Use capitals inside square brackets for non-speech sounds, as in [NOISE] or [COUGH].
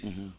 [HESITATION] [HESITATION]